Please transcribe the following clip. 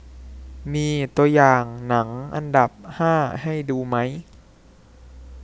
มีตัวอย่างหนังอันดับห้าให้ดูไหม